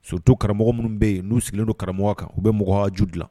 So to karamɔgɔ minnu bɛ yen n'u sigilen don karamɔgɔ kan u bɛ mɔgɔ ju dilan